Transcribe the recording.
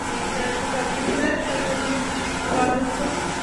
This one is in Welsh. ti ishe cyfrannu rwbeth yy bod yn r- t'bod ran o'r sgwrs?